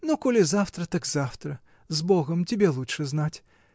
-- Ну, коли завтра, так завтра. С богом, -- тебе лучше знать.